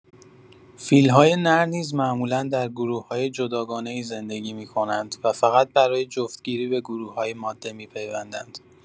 فیل‌های نر نیز معمولا در گروه‌های جداگانه‌ای زندگی می‌کنند و فقط برای جفت‌گیری به گروه‌های ماده می‌پیوندند.